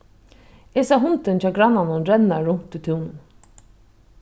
eg sá hundin hjá grannanum renna runt í túninum